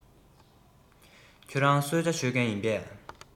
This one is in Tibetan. ཁྱོར རང གསོལ ཇ མཆོད ཀས ཡིན པས